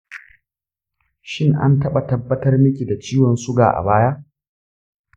shin an taɓa tabbatar miki da ciwon suga a baya?